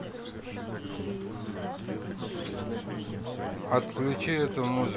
отключи эту музыку